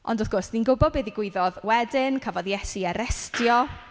Ond wrth gwrs ni'n gwbo be ddigwyddodd wedyn. Cafodd Iesu'i arestio.